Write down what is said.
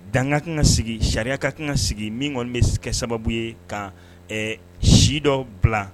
Danka kan ka sigi sariya ka kan ka sigi min kɔni bɛ se kɛ sababu ye ka si dɔ bila